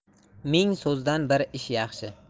ming so'zdan bir ish yaxshi